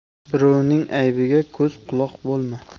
birovning aybiga ko'z quloq bo'lma